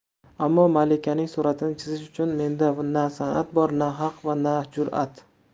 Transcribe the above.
ammo malikaning suratini chizish uchun menda na sanat bor na haq va na jurat